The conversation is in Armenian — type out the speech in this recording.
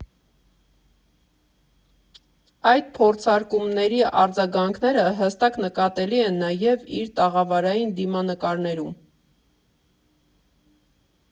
Այդ փորձարկումների արձագանքները հստակ նկատելի են նաև իր տաղավարային դիմանկարներում։